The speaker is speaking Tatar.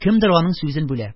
Кемдер аның сүзен бүлә: